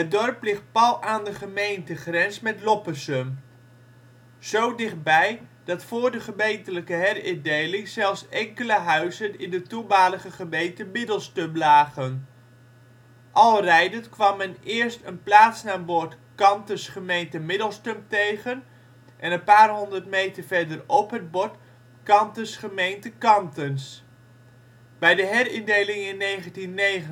dorp ligt pal aan de gemeentegrens met Loppersum. Zo dichtbij dat voor de gemeentelijke herindeling zelfs enkele huizen in de (toenmalige) gemeente Middelstum lagen. Al rijdend kwam men eerst een plaatsnaambord Kantens (gemeente Middelstum) tegen en een paar honderd meter verderop het bord Kantens (gemeente Kantens). Bij de herindeling in 1990